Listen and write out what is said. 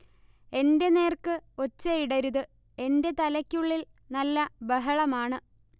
എന്റെ നേർക്ക്ഒച്ചയിടരുത് എന്റെ തലയ്ക്കുള്ളിൽ നല്ല ബഹളമാണ്